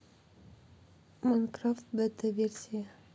майнкрафт бета версия